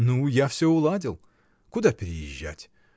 — Ну, я всё уладил: куда переезжать?